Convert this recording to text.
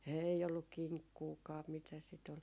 ei ollut kinkkuakaan mitä sitä oli